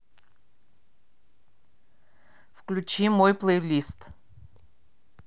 включи мой плейлист